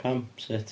Pam? Sut?